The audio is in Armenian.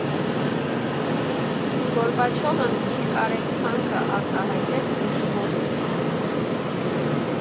Գորբաչովն իր կարեկցանքն արտահայտեց Լյուբիմովին։